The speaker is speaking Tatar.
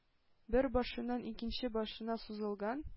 Бер башыннан икенче башына сузылган